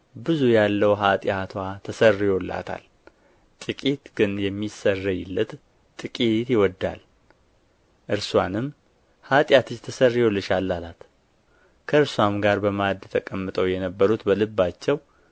ብዙ ያለው ኃጢአትዋ ተሰርዮላታል ጥቂት ግን የሚሰረይለት ጥቂት ይወዳል እርስዋንም ኃጢአትሽ ተሰርዮልሻል አላት ከእርሱም ጋር በማዕድ ተቀምጠው የነበሩት በልባቸው